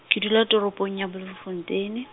ke dula toropong ya Bloemfontein e.